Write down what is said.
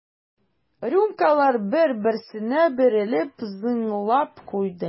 Рюмкалар бер-берсенә бәрелеп зыңлап куйды.